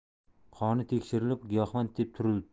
qoni tekshirilib giyohvand deb turilibdi